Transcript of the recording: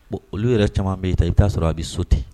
Bon olu yɛrɛ caman b bɛ'i ta i t'a sɔrɔ a bɛ so ten